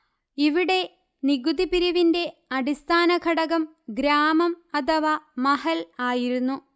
ഇവിടെ നികുതിപിരിവിന്റെ അടിസ്ഥാനഘടകം ഗ്രാമം അഥവാ മഹൽ ആയിരുന്നു